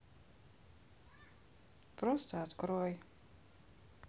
просто открой